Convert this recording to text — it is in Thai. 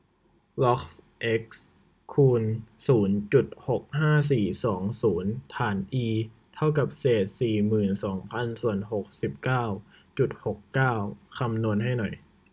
ล็อกเอ็กซ์คูณศูนย์จุดหกห้าสี่สองศูนย์ฐานอีเท่ากับเศษสี่หมื่นสองพันส่วนหกสิบเก้าจุดหกเก้าคำนวณให้หน่อย